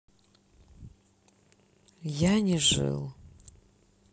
я не жил